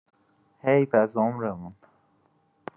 حیف از عمرمون